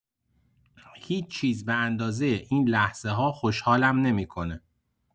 هیچ‌چیز به اندازۀ این لحظه‌ها خوشحالم نمی‌کنه.